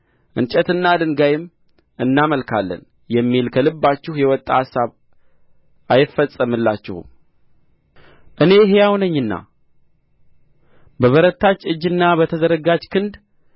እንጨትና ድንጋይም እናመልካለን የሚል ከልባችሁ የወጣ አሳብ አይፈጸምላችሁም እኔ ሕያው ነኝና በበረታች እጅና በተዘረጋች ክንድ